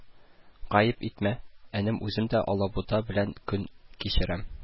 Гаеп итмә, энем үзем дә алабута белән көн кичерәм